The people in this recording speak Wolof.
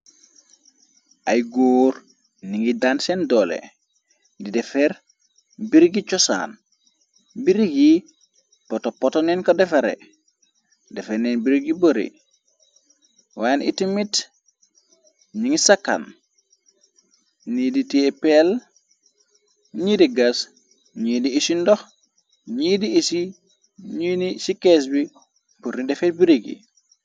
Ay góor ni ngi daan seen doole di defeer birgi chosaan birig yi poto poto neen ko defare defa neen birig yi bëri wayen iti mit ni ngi sakan ni ditiepel ñi di gas ñi di ishi ndox ñii di isi ñuy ni ci kees bi porri defer birig yi.